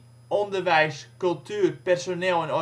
onderwijs, cultuur, personeel en organisatie